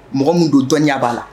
Mɔgɔ min don dɔnniya b'a la